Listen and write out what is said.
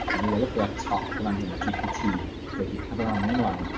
A mi welwch chi ar y ar top yn fan hyn GPT wedi carlamu ymlaen.